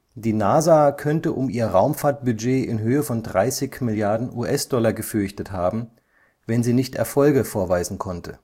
Die NASA könnte um ihr Raumfahrtbudget in Höhe von 30 Milliarden US-Dollar gefürchtet haben, wenn sie nicht Erfolge vorweisen konnte